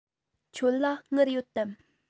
ཁྱོད ལ དངུལ ཡོད དམ